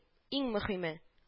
Иң мөһиме. т